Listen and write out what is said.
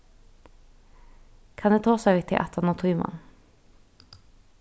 kann eg tosa við teg aftan á tíman